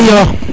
iyo